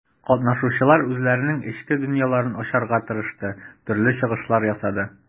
Катнашучылар үзләренең эчке дөньяларын ачарга тырышты, төрле чыгышлар ясады.